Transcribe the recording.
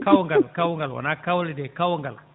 kawgal kawgal wona kawle de kawgal